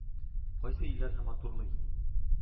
Кайсы илләрне матурлый,